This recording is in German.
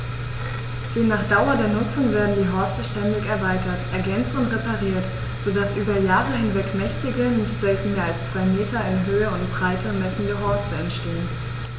Je nach Dauer der Nutzung werden die Horste ständig erweitert, ergänzt und repariert, so dass über Jahre hinweg mächtige, nicht selten mehr als zwei Meter in Höhe und Breite messende Horste entstehen.